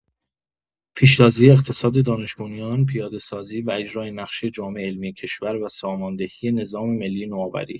پیشتازی اقتصاد دانش‌بنیان، پیاده‌سازی و اجرای نقشه جامع علمی کشور و ساماندهی نظام ملی نوآوری